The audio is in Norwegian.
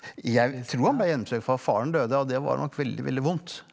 jeg tror han blei hjemsøkt for faren døde og det var nok veldig veldig vondt.